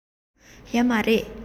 ཡོད མ རེད